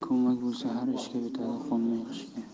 ko'mak bo'lsa har ishga bitadi qolmay qishga